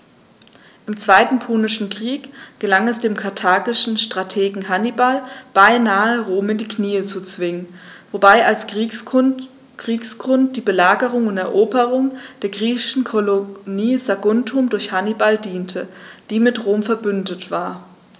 Im Zweiten Punischen Krieg gelang es dem karthagischen Strategen Hannibal beinahe, Rom in die Knie zu zwingen, wobei als Kriegsgrund die Belagerung und Eroberung der griechischen Kolonie Saguntum durch Hannibal diente, die mit Rom „verbündet“ war.